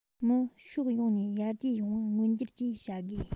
མི ཕྱོགས ཡོངས ནས ཡར རྒྱས ཡོང བ མངོན འགྱུར བཅས བྱ དགོས